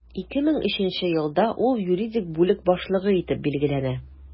2003 елда ул юридик бүлек башлыгы итеп билгеләнә.